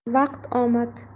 vaqt omad